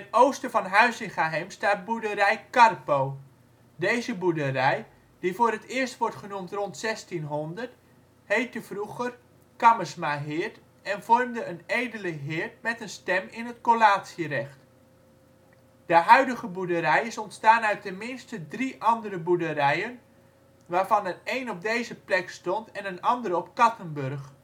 oosten van Huizingaheem staat boerderij Karpo. Deze boerderij, die voor het eerst wordt genoemd rond 1600, heette vroeger Cammersmaheerd en vormde een edele heerd met een stem in het collatierecht. De huidige boerderij is ontstaan uit ten minste drie andere boerderijen, waarvan er een op deze plek stond en een andere op Kattenburg